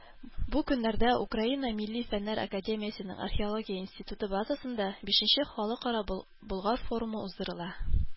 Бу көннәрдә Украина Милли фәннәр академиясенең Археология институты базасында бишенче Халыкара Болгар форумы уздырыла.